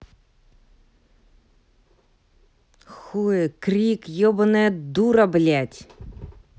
hue крик ебаная дура блядь